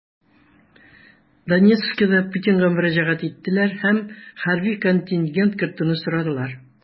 Донецкида Путинга мөрәҗәгать иттеләр һәм хәрби контингент кертүне сорадылар.